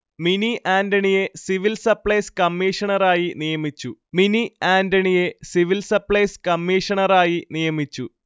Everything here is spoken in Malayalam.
മിനി ആന്റണിയെ സിവിൽ സപൈ്ളസ് കമീഷണറായി നിയമിച്ചു